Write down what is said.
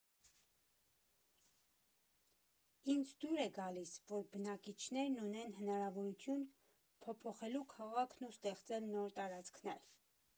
Ինձ դուր է գալիս, որ բնակիչներն ունեն հնարավորություն փոփոխելու քաղաքն ու ստեղծել նոր տարածքներ։